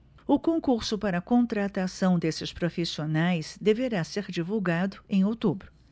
o concurso para contratação desses profissionais deverá ser divulgado em outubro